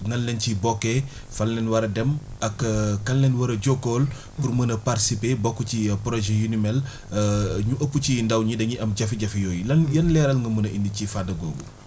nan lañ ciy bokkee fan la ñu war a dem ak kan la ñu war a jokkool pour mun a participer bokk ci projets yu ni mel ñu ëpp ci ndaw ñi dañuy am jafe-jafe yooyu lan yan leeral nga mun a indi ci fànn googu